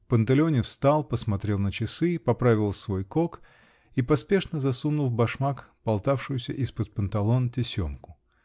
Панталеоне встал, посмотрел на чаны, поправил свой кок и поспешно засунул в башмак болтавшуюся из-под панталон тесемку.